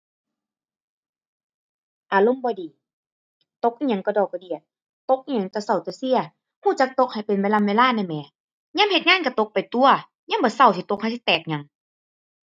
อารมณ์บ่ดี ตกอิหยังกะด้อกะเดี้ย ตกอิหยังแต่เช้าแต่เซีย เช้าจักตกให้เป็นเวล่ำเวลาแหน่แหมะ ยามเฮ็ดงานเช้าตกไปตั่ว ยามมื้อเช้าสิตกหาซิแตกหยัง